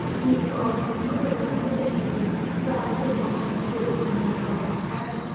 nhưng theo ông công luận nga rất dễ định hình và có thể mau chóng thay đổi năm này qua năm khác